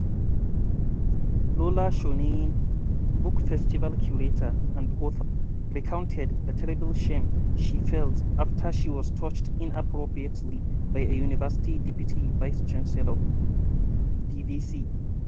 Lola Shoneyin, book festival curator and author, recounted the "terrible shame" she felt after she was touched inappropriately by a university Deputy Vice-Chancellor (DVC):